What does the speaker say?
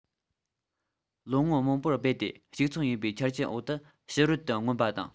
ལོ ངོ མང པོར རྦད དེ གཅིག མཚུངས ཡིན པའི ཆ རྐྱེན འོག ཏུ ཕྱི རོལ དུ མངོན པ དང